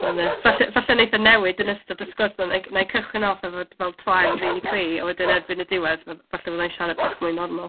Ond, yy, falle falle wneith e newid yn ystod y sgwrs 'ma. Wna i c- wna i cychwyn off efo t- fel twang rili cry, a wedyn erbyn y diwedd f- falle bydda i'n siarad bach mwy normal.